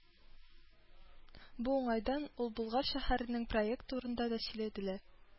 Бу уңайдан ул Болгар шәһәрен проект турында да сөйләде.